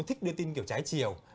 thích đưa tin kiểu trái chiều